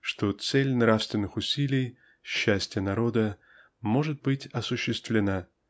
что цель нравственных усилий -- счастье народа -- может быть осуществлена